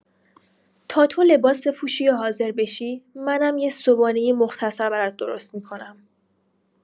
تا تو لباس بپوشی و حاضر بشی، منم یه صبحانه مختصر برات درست می‌کنم.